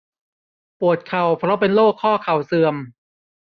ปวดเข่าเพราะเป็นโรคข้อเข่าเสื่อม